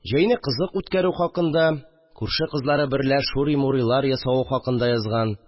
Җәйне кызык үткәрү хакында, күрше кызлары берлә шури-мурилар ясавы хакында язган